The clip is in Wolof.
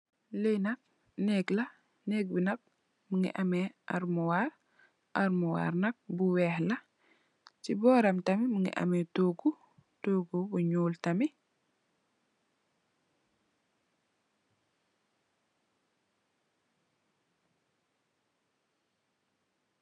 Li nak neeg la neeg bi mongi am almuwar almwor nak bu weex la si boram tam mongi ame togu togu bu nuul tamit.